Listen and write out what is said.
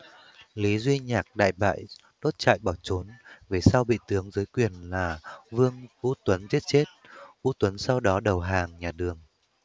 lý duy nhạc đại bại đốt trại bỏ trốn về sau bị tướng dưới quyền là vương vũ tuấn giết chết vũ tuấn sau đó đầu hàng nhà đường